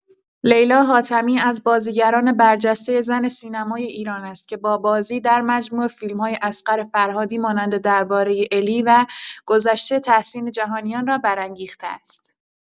لیلا حاتمی از بازیگران برجسته زن سینمای ایران است که با بازی در مجموعه فیلم‌های اصغر فرهادی مانند درباره الی… و گذشته تحسین جهانیان را برانگیخته است.